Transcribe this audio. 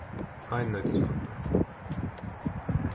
einnýtiskoppar